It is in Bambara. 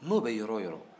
n'o bɛ yɔrɔ o yɔrɔ